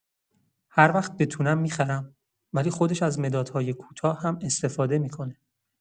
هر وقت بتونم می‌خرم، ولی خودش از مدادهای کوتاه هم استفاده می‌کنه.